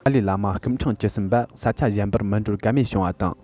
ཏཱ ལའི བླ མ སྐུ ཕྲེང བཅུ གསུམ པ ས ཆ གཞན པར མི འགྲོ ཀ མེད བྱུང བ དང